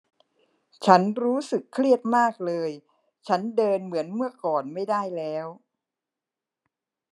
ฉันรู้สึกเครียดมากเลยฉันเดินเหมือนเมื่อก่อนไม่ได้แล้ว